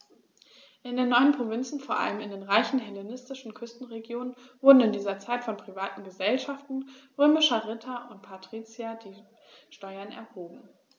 In den neuen Provinzen, vor allem in den reichen hellenistischen Küstenregionen, wurden in dieser Zeit von privaten „Gesellschaften“ römischer Ritter und Patrizier die Steuern erhoben.